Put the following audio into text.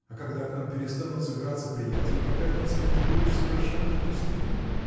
– а когда к нам перестанут собираться приятели по пятницам ты будешь совершенно в пустыне.